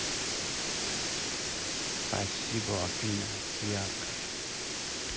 спасибо афина ты яркая